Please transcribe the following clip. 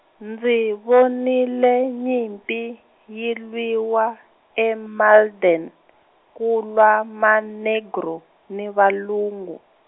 ndzi vonile nyimpi, yi lwiwa e- Malden, ku lwa manegro, ni valungu.